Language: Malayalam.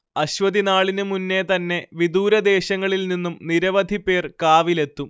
അശ്വതിനാളിനു മുന്നേ തന്നെ വിദൂരദേശങ്ങളിൽ നിന്നും നിരവധി പേർ കാവിലെത്തും